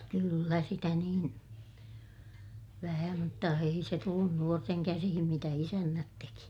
kyllä sitä niin vähän mutta ei se tullut nuorten käsiin mitä isännät teki